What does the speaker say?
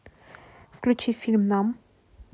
включи фильм нам